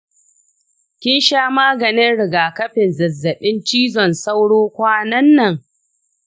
kin sha maganin rigakafin zazzaɓin cizon sauro kwanan nan?